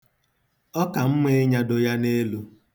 Ọ ka mma ịnyado ya n'elu.